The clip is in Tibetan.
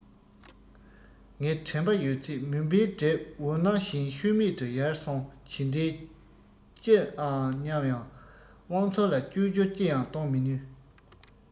ངའི དྲན པ ཡོད ཚད མུན པས བསྒྲིབས འོད སྣང བཞིན ཤུལ མེད དུ ཡལ སོང ཇི འདྲའི སྐྱིད ཨང སྙམ ཡང དབང ཚོར ལ བཅོས བསྒྱུར ཅི ཡང གཏོང མི ནུས